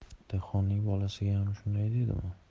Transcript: dehqonning bolasiga ham shunday deydimi